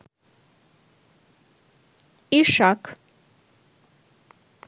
ишак